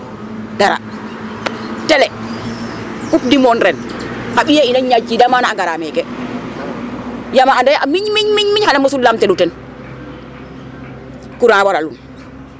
Télé coupe du monde ren a ɓiy axe in a ñaaƴtiidaa maana a ngaraa meke yaam a anda yee a miñ miñ miñ xan o mosel o lamto teen courant waralun .